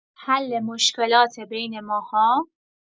حل مشکلات بین ماها